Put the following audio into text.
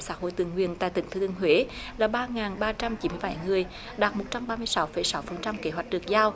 xã hội tự nguyện tại tỉnh thừa thiên huế là ba ngàn ba trăm chín bảy người đạt một trăm ba mươi sáu phẩy sáu phần trăm kế hoạch được giao